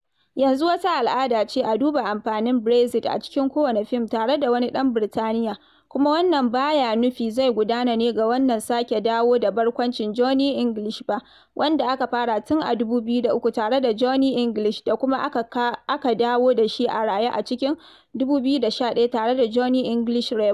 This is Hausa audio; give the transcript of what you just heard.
Yanzu wata al'ada ce a duba amfanin Brexit a cikin kowane fim tare da wani ɗan Birtaniyya kuma wannan ba ya nufi zai gudana ne ga wannan sake dawo da barkwancin Johnny English ba - wanda aka fara tun a 2003 tare da Johnny English da kuma aka dawo da shi a raye a cikin 2011 tare da Johnny English Reborn.